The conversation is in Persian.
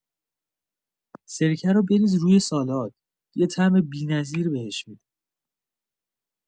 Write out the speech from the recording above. سرکه رو بریز روی سالاد، یه طعم بی‌نظیر بهش می‌ده.